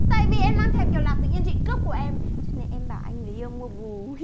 tại vì em đang thèm kẹo lạc tự nhiên chị cướp của em cho nên em bảo anh người yêu mua bù hi